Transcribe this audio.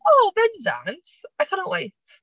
O bendant! I cannot wait.